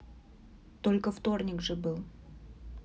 только вторник же был